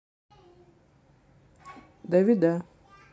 давида